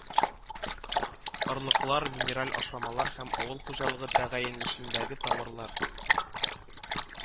Орлыклар, минераль ашламалар һәм авыл хуҗалыгы тәгаенләнешендәге товарлар